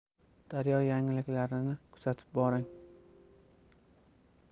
daryo yangiliklarini kuzatib boring